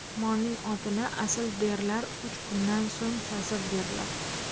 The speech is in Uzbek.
mehmonning otini asl derlar uch kundan so'ng sasir derlar